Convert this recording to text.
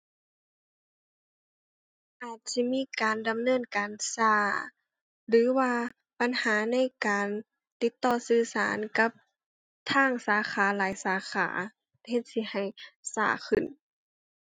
นอกสิมีการดำเนินการช้า หรือว่าปัญหาในการติดต่อสื่อสารกับทางสาขาหลายสาขา เฮ็ดสิให้ช้าขึ้น